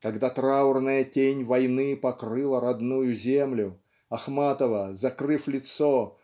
Когда траурная тень войны покрыла родную землю Ахматова закрыв лицо